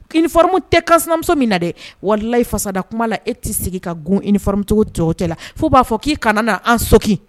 'ɔrɔmu tɛ kamuso min na dɛ wala i fasada kuma la e t tɛ sigi ka g i nimuso cogo cɛw cɛ la fo b'a fɔ k'i kana na an so